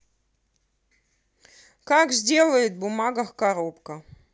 как сделает бумагах коробка